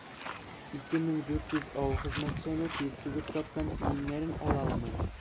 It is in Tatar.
2400 авыл хезмәтчәне тир түгеп тапкан тиеннәрен ала алмый.